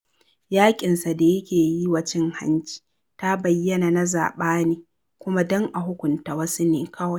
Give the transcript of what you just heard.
Yaƙinsa da yake yi wa cin hanci ta bayyana na zaɓa ne kuma don a hukunta wasu ne kawai.